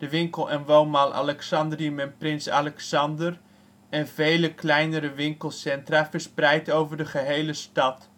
winkel - en woonmall Alexandrium in Prins Alexander en vele kleinere winkelcentra verspreid over de gehele stad